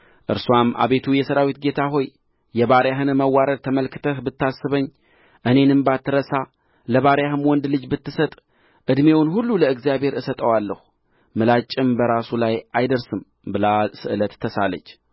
እርስዋም አቤቱ የሠራዊት ጌታ ሆይ የባሪያህን መዋረድ ተመልክተህ ብታስበኝ እኔንም ባትረሳ ለባሪያህም ወንድ ልጅ ብትሰጥ ዕድሜውን ሁሉ ለእግዚአብሔር እሰጠዋለሁ ምላጭም በራሱ ላይ አይደርስም ብላ ስእለት ተሳለች